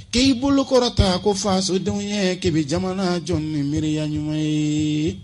K'i bolokɔrɔ ta ko fadenwya ke bɛ jamana jɔn ni miiriya ɲuman ye